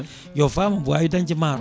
yo faam omo wawi dañje maaro